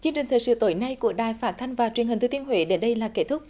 chương trình thời sự tối nay của đài phát thanh và truyền hình thừa thiên huế đến đây là kết thúc